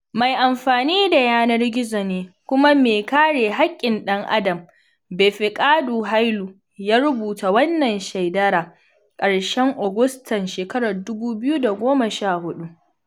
Mai amfani da yanar gizo ne kuma mai kare haƙƙin ɗan-adam Befeqadu Hailu ya rubuta wannan shaidara ƙarshen Agustan 2014.